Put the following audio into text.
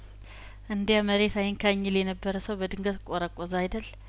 እንዲያ መሬት አይንካኝ ይል የነበረ ሰው በድንገት ቆረቆዘ አይደል